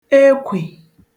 ekwè